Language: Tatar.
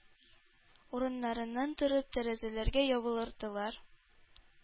Урыннарыннан торып, тәрәзәләргә ябырылдылар.